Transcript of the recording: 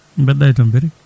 mbaɗɗa e tampere